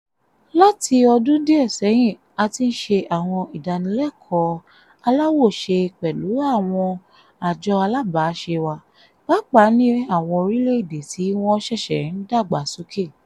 Láti ọdún díẹ̀ sẹ́yìn, a ti ń ṣe àwọn ìdánilẹ́kọ̀ọ́ aláwòṣe pẹ̀lú àwọn àjọ alábàáṣe wa, pàápàá ní àwọn orílẹ̀-èdè tí wọ́n sẹ̀sẹ̀ ń dàgbà sókè.